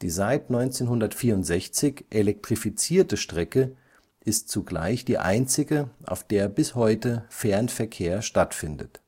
seit 1964 elektrifizierte Strecke ist zugleich die einzige, auf der bis heute Fernverkehr stattfindet